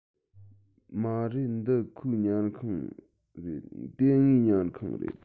མ རེད འདི ཁོའི ཉལ ཁང རེད དེ ངའི ཉལ ཁང རེད